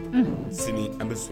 Sini an bɛ so